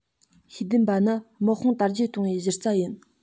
ཤེས ལྡན པ ནི དམག དཔུང དར རྒྱས གཏོང བའི གཞི རྩ ཡིན